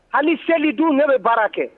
Hali seli dun ne bɛ baara kɛ